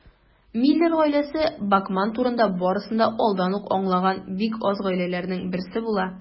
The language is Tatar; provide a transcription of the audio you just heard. Миллер гаиләсе Бакман турында барысын да алдан ук аңлаган бик аз гаиләләрнең берсе була.